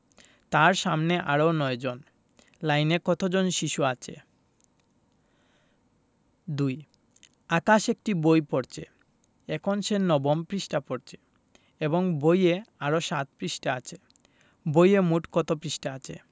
তার সামনে আরও ৯ জন লাইনে কত জন শিশু আছে 2 আকাশ একটি বই পড়ছে এখন সে নবম পৃষ্ঠা পড়ছে এবং বইয়ে আরও ৭ পৃষ্ঠা আছে বইয়ে মোট কত পৃষ্ঠা আছে